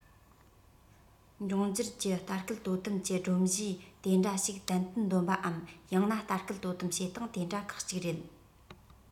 འབྱུང འགྱུར གྱི ལྟ སྐུལ དོ དམ གྱི སྒྲོམ གཞིའི དེ འདྲ ཞིག ཏན ཏན འདོན པའམ ཡང ན ལྟ སྐུལ དོ དམ བྱེད སྟངས དེ འདྲ ཁག གཅིག རེད